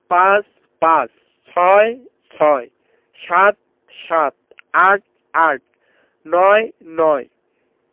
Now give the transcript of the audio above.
৫ পাঁচ ৬ ছয় ৭ সাত ৮ আট ৯ নয়